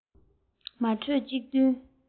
མ བགྲོས གཅིག མཐུན